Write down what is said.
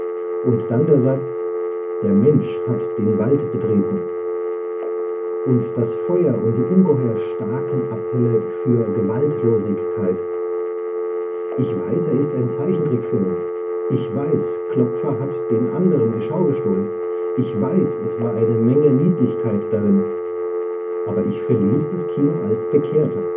Und dann der Satz:’ Der Mensch hat den Wald betreten.’ Und das Feuer und die ungeheuer starken Appelle für Gewaltlosigkeit. […] Ich weiß, er ist ein Zeichentrickfilm, ich weiß, Klopfer hat den anderen die Schau gestohlen, ich weiß, es war eine Menge Niedlichkeit darin. Aber ich verließ das Kino als Bekehrter